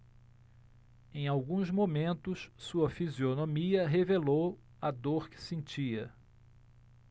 em alguns momentos sua fisionomia revelou a dor que sentia